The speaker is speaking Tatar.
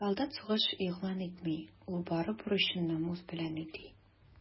Солдат сугыш игълан итми, ул бары бурычын намус белән үти.